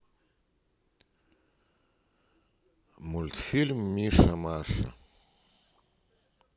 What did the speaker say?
мультфильм миша маша